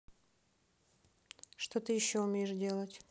что ты еще умеешь делать